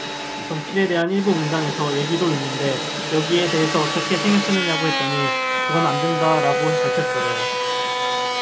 절필에 대한 일부 문단에서 얘기도 있는데 여기에 대해서 어떻게 생각하느냐고 했더니 그건 안 된다라고 밝혔어요